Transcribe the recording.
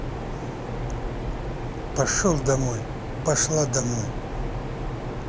пошел наххуй пошла нахуй